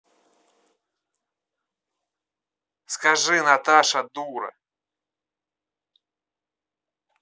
скажи наташа дура